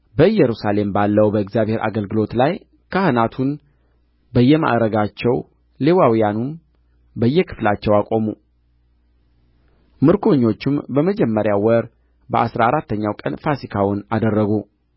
በኢየሩሳሌም ባለው በእግዚአብሔር አገልግሎት ላይ ካህናቱን በየማዕርጋቸው ሌዋውያኑም በየክፍላቸው አቆሙ ምርኮኞቹም በመጀመሪያው ወር በአሥራ አራተኛው ቀን ፋሲካውን አደረጉ